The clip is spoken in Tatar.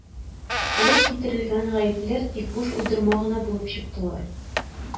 Элек китерелгән «гаепләр» тик буш уйдырма гына булып чыктылар.